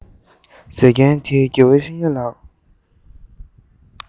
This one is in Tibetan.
མཛད མཁན དེ དགེ བའི བཤེས གཉེན ལགས